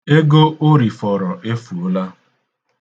Ego o rifọrọ efuola.